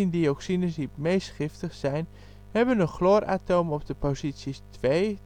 dioxines die het meest giftig zijn, hebben een chlooratoom op de posities 2,3,7,8